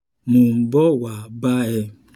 Mò ń bò wá bá ẹ.